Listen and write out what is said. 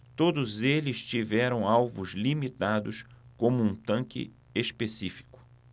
todos eles tiveram alvos limitados como um tanque específico